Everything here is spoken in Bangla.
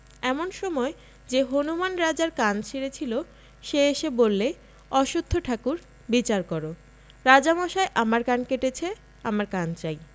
এমন সময় যে হনুমান রাজার কান ছিঁড়েছিল সে এসে বললে অশ্বথ ঠাকুর বিচার কর রাজামশায় আমার কান কেটেছে আমার কান চাই